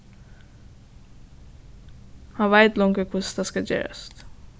hann veit longu hvussu tað skal gerast